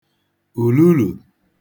ùlulù